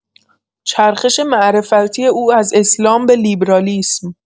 چرخش معرفتی او از اسلام به لیبرالیسم